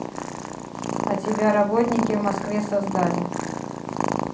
а тебя работники в москве создали